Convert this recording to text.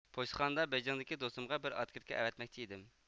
پوچتىخانىدا بېيجىڭدىكى دوستۇمغا بىر ئاتكېرتكا ئەۋەتمەكچى ئىدىم